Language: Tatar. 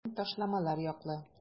Мин ташламалар яклы.